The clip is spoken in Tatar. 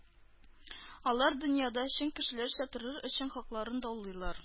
Алар дөньяда чын кешеләрчә торыр өчен хакларын даулыйлар